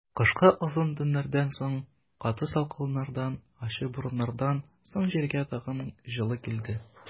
Кышкы озын төннәрдән соң, каты салкыннардан, ачы бураннардан соң җиргә тагын җылы килде.